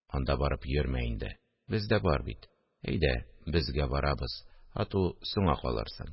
– анда барып йөрмә инде, бездә бар бит, әйдә, безгә барабыз, ату соңга калырсың